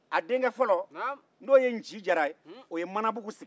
a denkɛ fɔlɔ n'o ye n'ci jara ye o ye manabugu sigi